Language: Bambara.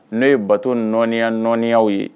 N'o ye batoya nɔya ye